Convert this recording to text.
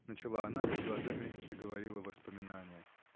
— начала она и глазами договорила воспоминание.